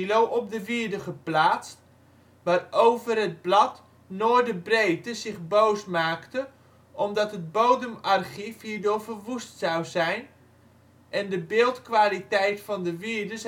op de wierde geplaatst, waarover het blad Noorderbreedte zich boos maakte omdat het bodemarchief hierdoor verwoest zou zijn en de beeldkwaliteit van de wierde